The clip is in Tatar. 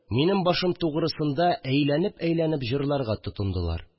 Минем башым тугрысында әйләнеп-әйләнеп җырларга тотындылар